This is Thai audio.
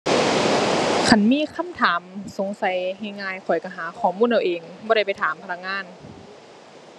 คันมีคำถาม สงสัยง่ายง่าย ข้อยก็หาข้อมูลเอาเองบ่ได้ไปถามพนักงาน